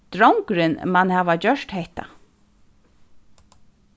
drongurin man hava gjørt hetta